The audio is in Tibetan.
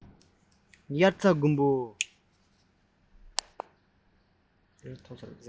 དབྱར རྩྭ དགུན འབུ